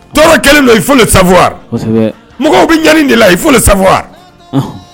Tɔɔrɔ kɛlen do il faut le savoir mɔgɔw bɛ ɲaani de la il faut le savoir